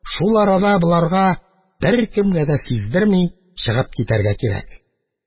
Шул арада боларга беркемгә дә сиздерми чыгып китәргә кирәк